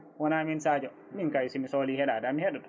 wona min Sadio min kay somi sohli heɗade tan mi heɗoto